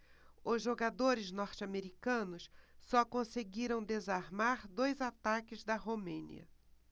os jogadores norte-americanos só conseguiram desarmar dois ataques da romênia